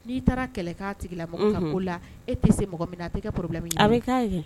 N'i taara kɛlɛkan tigi la ka la e tɛ se mɔgɔ min a